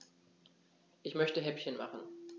Ich möchte Häppchen machen.